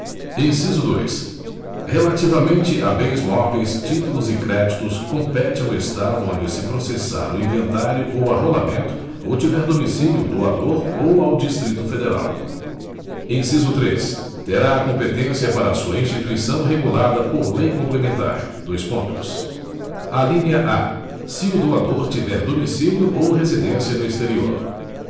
inciso dois relativamente a bens móveis títulos e créditos compete ao estado onde se processar o inventário ou arrolamento ou tiver domicílio o doador ou ao distrito federal inciso três terá a competência para sua instituição regulada por lei complementar dois pontos alínea a se o doador tiver domicílio ou residência no exterior